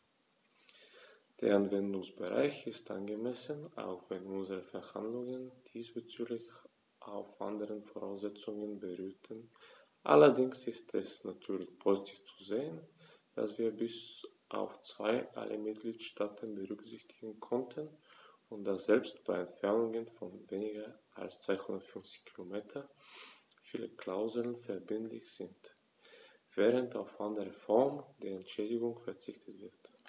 Der Anwendungsbereich ist angemessen, auch wenn unsere Verhandlungen diesbezüglich auf anderen Voraussetzungen beruhten, allerdings ist es natürlich positiv zu sehen, dass wir bis auf zwei alle Mitgliedstaaten berücksichtigen konnten, und dass selbst bei Entfernungen von weniger als 250 km viele Klauseln verbindlich sind, während auf andere Formen der Entschädigung verzichtet wird.